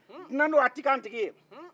dunan don a tɛ ke an tigi ye